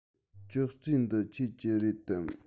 ཅོག ཙེ འདི ཁྱོད ཀྱི རེད དམ